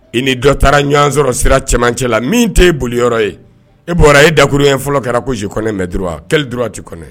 I ni dɔ taara ɲɔgɔn sɔrɔ sira cɛmancɛ la min tɛ ye boliyɔrɔ ye e bɔra e dakuruur ye fɔlɔ kɛra kosi kɔnɛmɛ duuru d tɛk